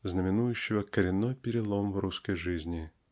, знаменующего коренной перелом в русской жизни.